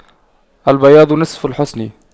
البياض نصف الحسن